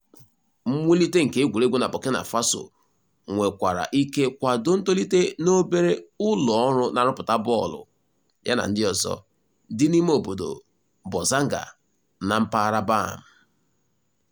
Mwulite nke egwuregwu na Burkina Faso nwekwara ike kwado ntolite n'obere ụlọọrụ na-arụpụta bọọlụ (ya na ndị ọzọ) dị n'imeobodo Bourzanga na mpaghara Bam.